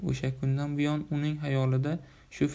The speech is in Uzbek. o'sha kundan buyon uning xayolida shu fikr